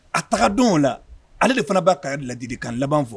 A taga don o la ale de fana b'a kaa ladi ka laban fɔ